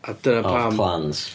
A dyna pam... of clans.